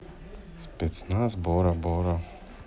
спецназ бора бора